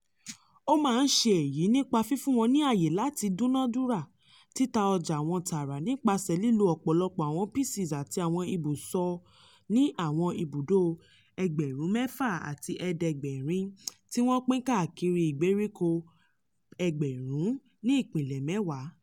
Ó má ń ṣe èyí nípa fífún wọn ní ààyè láti dúnàádúrà títa ọjà wọn tààrà nípasẹ̀ lílo ọ̀pọ̀lọpọ̀ àwọn PCs àti àwọn ibùsọ̀ ní àwọn ibùdó 6500 tí wọ́n pín káàkiri ìgbèríko 100 ní ìpínlẹ̀ 10.